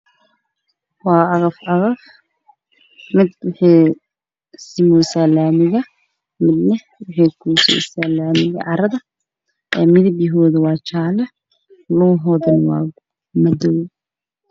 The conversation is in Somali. Waa laba cagaf cagaf oo midabkooda yahay jawaallo oo banaan u taxaaqaayo waana laami laba qaybood leh